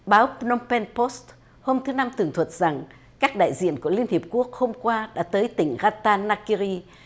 báo phờ nôm pênh pốt hôm thứ năm tường thuật rằng các đại diện của liên hiệp quốc hôm qua đã tới tỉnh gan ta na ki ri